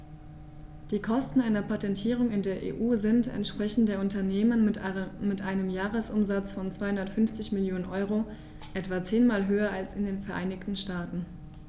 Die Kosten einer Patentierung in der EU sind, entsprechend der Unternehmen mit einem Jahresumsatz von 250 Mio. EUR, etwa zehnmal höher als in den Vereinigten Staaten.